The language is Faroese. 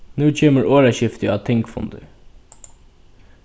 nú kemur orðaskifti á tingfundi